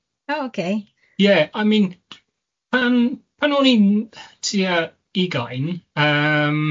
O ok... Yeah, I mean, d- pan pan o'n i'n tua ugain yym